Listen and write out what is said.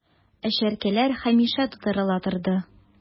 Ә чәркәләр һәмишә тутырыла торды...